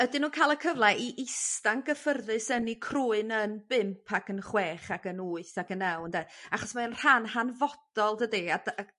Ydyn nhw'n ca'l y cyfla i ista'n gyffyrddus yn 'u crwyn yn bump ac chwech ag yn wyth ag yn naw ynde? Achos mae o'n rhan hanfodol dydi a d- ag